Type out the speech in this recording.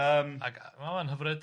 ...yym. Ac ma' hwnna'n hyfryd.